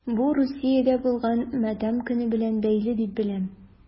Бу Русиядә булган матәм көне белән бәйле дип беләм...